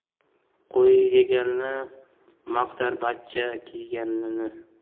qui yeganini maqtar bachcha kiyganini